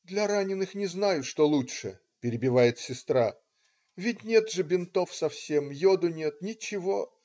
- "Для раненых не знаю, что лучше,- перебивает сестра,- ведь нет же бинтов совсем, йоду нет, ничего.